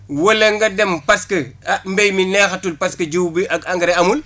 wala nga dem parce que ah mbéy mi neexatul parce que jiw bi ak engrais amul